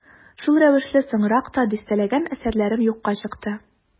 Шул рәвешле соңрак та дистәләгән әсәрләрем юкка чыкты.